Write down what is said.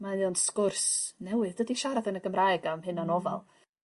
Mae o'n sgwrs newydd dydi siarad yn y Gymraeg am hunanofal.